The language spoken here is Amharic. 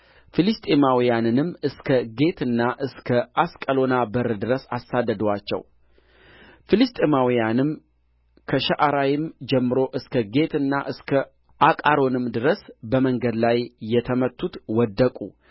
ፍልስጥኤማውያንንም እስከ ጌትና እስከ አስቀሎና በርድረስ አሳደዱአቸው ፍልስጥኤማውያንም ከሸዓራይም ጀምሮ እስከ ጌትና እስከ አቃሮን ድረስ በመንገድ ላይ የተመቱት ወደቁ